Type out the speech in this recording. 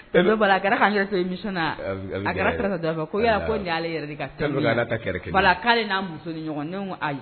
A kɛ la ka ne to émission la a kɛ la yɔrɔ ko ni ye ale yɛrɛ de ka thème ye voilà k'ale n'a muso bɛ ɲɔgɔn na ne ko ko ayi.